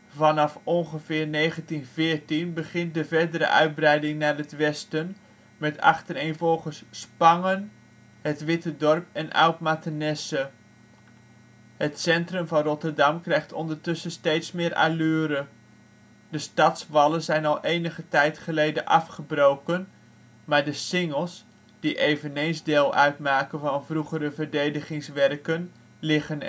Vanaf ongeveer 1914 begint de verdere uitbreiding naar het westen, met achtereenvolgens Spangen, het Witte Dorp en Oud-Mathenesse. Het centrum van Rotterdam krijgt ondertussen steeds meer allure. De stadswallen zijn al enige tijd geleden afgebroken, maar de singels, die eveneens deel uitmaken van vroegere verdedigingswerken, liggen